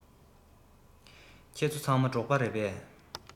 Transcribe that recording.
ཁྱེད ཚོ ཚང མ འབྲོག པ རེད